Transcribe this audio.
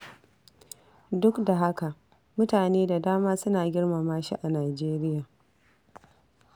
Duk da haka, mutane da dama suna girmama shi a Nijeriya